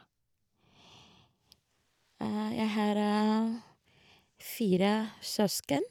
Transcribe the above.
Jeg har fire søsken.